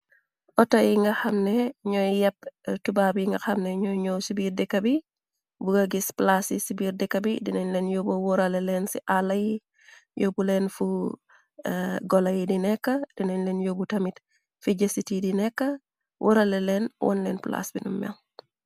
Outo yi nga xamne ñooy yepp tubaab yi nga xamne ñooy ñoo ci biir dekka bi bu ga gis plaase yi ci biir deka bi dineen leen yobo wurale leen ci àllayi yóbbu leen fu gola yi di nekk dinen leen yóbbu tamit fije citi di nekk warale leen woon leen place binu mel.